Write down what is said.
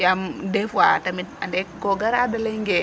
Yaam dés fois tamit ande ko gara da layonge ,